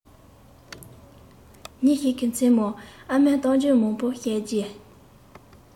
ཉིན ཞིག གི མཚན མོར ཨ མས གཏམ རྒྱུད མང པོ བཤད རྗེས